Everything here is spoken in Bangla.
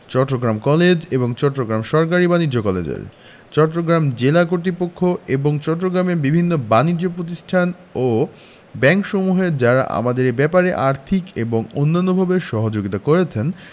চট্টগ্রাম কলেজ এবং চট্টগ্রাম সরকারি বাণিজ্য কলেজের চট্টগ্রাম জেলা কর্তৃপক্ষ এবং চট্টগ্রামের বিভিন্ন বানিজ্য প্রতিষ্ঠান ও ব্যাংকসমূহ যারা আমাদের এ ব্যাপারে আর্থিক এবং অন্যান্যভাবে সহযোগিতা করেছেন